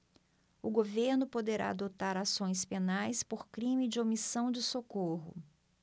o governo poderá adotar ações penais por crime de omissão de socorro